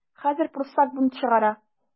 Хәзер пруссак бунт чыгара.